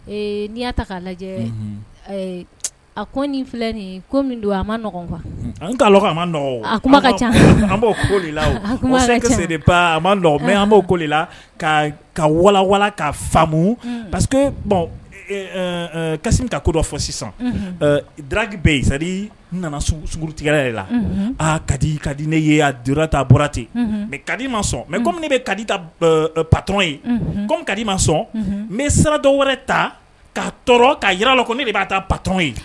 N'i y'a ta'a lajɛ a ko ni filɛ nin ko don a maɔgɔn'a a ma a kuma ka ca an b'o ko lakisɛ de ma mɛ an b' koli la' ka walawa ka faamumu bɔn kasi ta ko dɔ fɔ sisan daki bɛali nana suguugu tigɛ yɛrɛ de la aa ka di ka di ne ye'ta bɔra ten ɛ ka di i ma sɔn mɛ ko bɛ ka di bat ye kɔmi kadi ma sɔn n bɛ saradɔn wɛrɛ ta k'a tɔɔrɔ ka jira la ko ne de b'a ta bato ye